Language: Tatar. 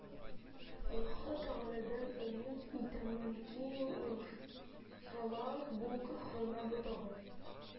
Аллаһы Тәгаләдән өмид итәмен ки, иншаллаһ, бу хөрмә ботагы